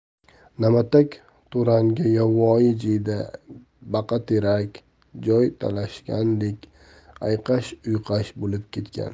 namatak to'rang'i yovvoyi jiyda baqaterak joy talashgandek ayqash uyqash bo'lib ketgan